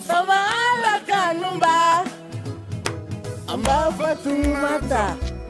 Saba bɛ kaunba an maa fɔ tun ɲuman ta